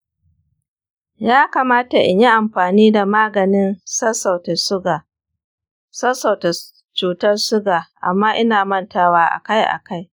ya kamata in yi amfani da maganin sassauta cutar suga amma ina mantawa akai-akai.